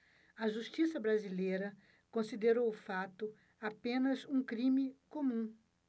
a justiça brasileira considerou o fato apenas um crime comum